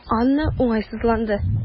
Анна уңайсызланды.